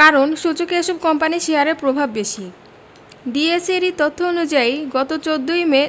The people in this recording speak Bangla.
কারণ সূচকে এসব কোম্পানির শেয়ারের প্রভাব বেশি ডিএসইর এই তথ্য অনুযায়ী গত ১৪ মে